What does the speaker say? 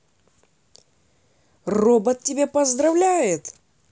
робот тебя поздравляет